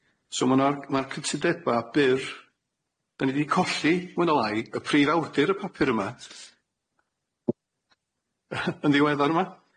So ma' 'nw ar.... Ma'r cytudeba' byr... 'Dan ni 'di colli, mwy ne lai, y prif awdur y papur yma yn ddiweddar 'ma.